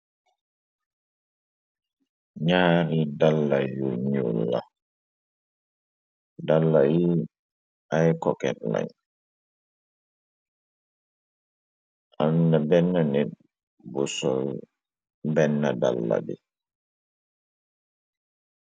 Ñaari dalla yu nul la dalla yi ay coketlañ amn benn nit bu sol benn dalla bi.